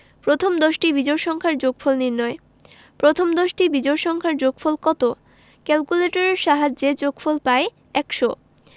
প্রথম দশটি বিজোড় সংখ্যার যোগফল নির্ণয় প্রথম দশটি বিজোড় সংখ্যার যোগফল কত ক্যালকুলেটরের সাহায্যে যোগফল পাই ১০০